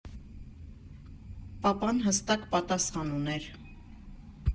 Պապան հստակ պատասխան ուներ.